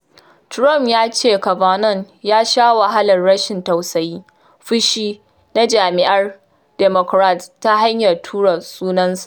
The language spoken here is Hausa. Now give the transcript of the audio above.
Trump ya ce Kavanaugh ya sha “wahalar rashin tausayi, fushi” na Jam’iyyar Democrat ta hanyar tura sunansa.